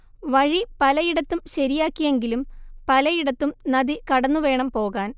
വഴി പലയിടത്തും ശരിയാക്കിയെങ്കിലും പലയിടത്തും നദി കടന്നുവേണം പോകാൻ